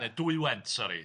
Neu Dwywent sori.